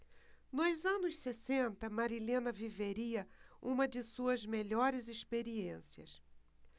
nos anos sessenta marilena viveria uma de suas melhores experiências